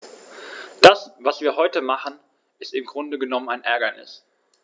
Das, was wir heute machen, ist im Grunde genommen ein Ärgernis.